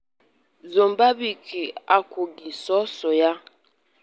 Mozambique akwụghị sọọsọ ya.